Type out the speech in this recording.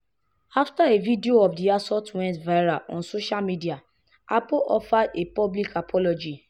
After a video of the assault went viral on social media, Abbo offered a public apology.